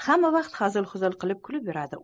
hamma vaqt hazil huzul qilib kulib yuradi